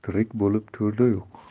tirik bo'lib to'rda yo'q